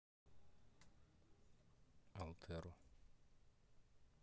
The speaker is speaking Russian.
altero